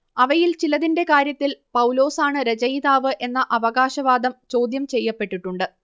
അവയിൽ ചിലതിന്റെ കാര്യത്തിൽ പൗലോസാണു രചയിതാവ് എന്ന അവകാശവാദം ചോദ്യംചെയ്യപ്പെട്ടിട്ടുണ്ട്